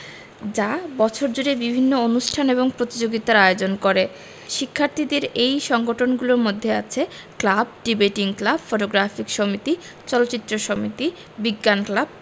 যা বছর জুড়েই বিভিন্ন অনুষ্ঠান এবং প্রতিযোগিতার আয়োজন করে শিক্ষার্থীদের এই সংগঠনগুলির মধ্যে আছে ক্লাব ডিবেটিং ক্লাব ফটোগ্রাফিক সমিতি চলচ্চিত্র সমিতি বিজ্ঞান ক্লাব